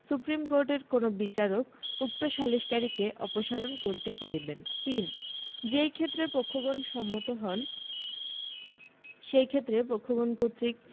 সুপ্রীমকোর্টের কোন বিচারক উক্ত সালিসকারীকে অপসারণ করিতে পারিবেন ৩ যেই ক্ষেত্রে পক্ষগণ সম্মত হন সেই ক্ষেত্রে পক্ষগণ কর্তৃক